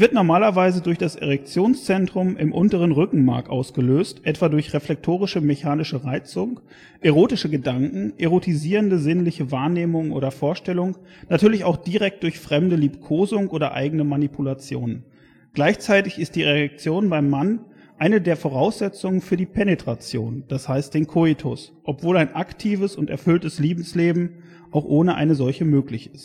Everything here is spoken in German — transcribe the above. normalerweise durch das Erektionszentrum im unteren Rückenmark ausgelöst, etwa durch reflektorische mechanische Reizung, erotische Gedanken, erotisierende sinnliche Wahrnehmungen oder Vorstellungen, natürlich auch direkt durch fremde Liebkosung oder eigene Manipulationen. Gleichzeitig ist die Erektion beim Mann eine der Voraussetzungen für die Penetration, d.h. den Koitus, obwohl ein aktives und erfülltes Liebesleben auch ohne eine solche möglich